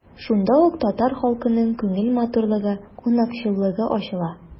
Шунда ук татар халкының күңел матурлыгы, кунакчыллыгы ачыла.